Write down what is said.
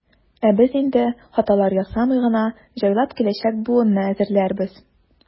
Ә без инде, хаталар ясамый гына, җайлап киләчәк буынны әзерләрбез.